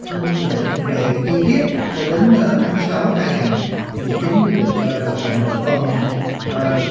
thương lượng về chi tiết cho đến tháng sáu hai nghìn mười chín mới được thực hành một phần ờ